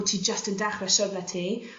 bo' ti jyst yn dechre siwrne ti